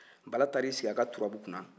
bala taar'i sigi a ka turabu kunna